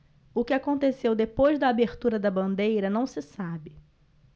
o que aconteceu depois da abertura da bandeira não se sabe